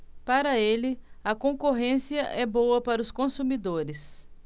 para ele a concorrência é boa para os consumidores